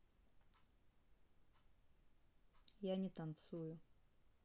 я не танцую